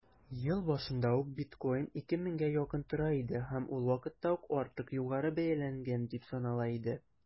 Ел башында ук биткоин 2 меңгә якын тора иде һәм ул вакытта ук артык югары бәяләнгән дип санала иде.